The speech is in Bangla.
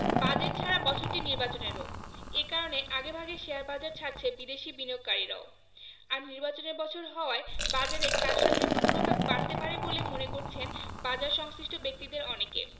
বাজেট ছাড়া বছরটি নির্বাচনেরও এ কারণে আগেভাগে শেয়ারবাজার ছাড়ছে বিদেশি বিনিয়োগকারীরাও আর নির্বাচনের বছর হওয়ায় বাজারে কারসাজির প্রবণতা বাড়তে পারে বলে মনে করছেন বাজারসংশ্লিষ্ট ব্যক্তিদের অনেকে